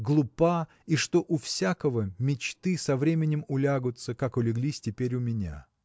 глупа и что у всякого мечты со временем улягутся как улеглись теперь у меня?